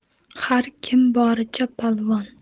har kim boricha polvon